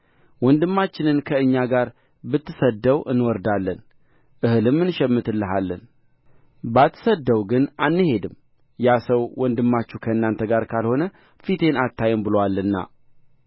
ወንድማችንን ከእኛ ጋር ብትሰድደው እንወርዳለን እህልም እንሸምትልሃለን ባትሰድደው ግን አንሄድም ያ ሰው ወንድማችሁ ከእናንተ ጋር ካልሆነ ፊቴን አታዩም ብሎናልና